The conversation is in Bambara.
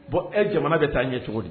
Bon e jamana bɛtaa ɲɛ cogo di